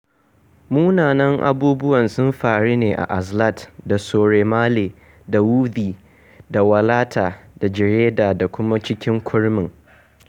Munanan abubuwan sun faru ne a Azlatt da Sory Male da Wothie da Walata da Jreida da kuma cikin kurmin.